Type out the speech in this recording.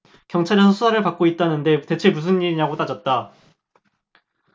경찰에서 수사받고 있다는데 대체 무슨 일이냐고 따졌다